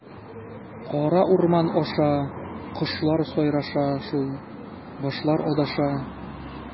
Кара урман аша, кошлар сайраша шул, башлар адаша.